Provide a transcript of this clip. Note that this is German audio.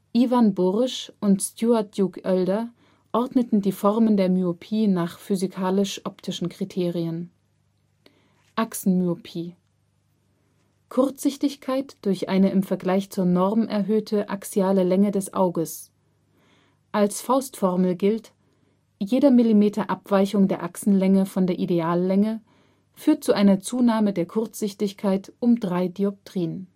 Ivan Borish und Stewart Duke-Elder ordneten die Formen der Myopie nach physikalisch-optischen Kriterien: Achsenmyopie: Kurzsichtigkeit durch eine im Vergleich zur Norm erhöhte axiale Länge des Auges. Als Faustformel gilt: Jeder Millimeter Abweichung der Achsenlänge von der Ideallänge führt zu einer Zunahme der Kurzsichtigkeit um drei Dioptrien